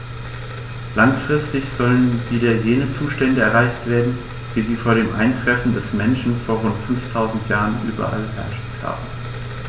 Langfristig sollen wieder jene Zustände erreicht werden, wie sie vor dem Eintreffen des Menschen vor rund 5000 Jahren überall geherrscht haben.